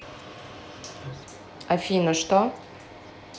афина что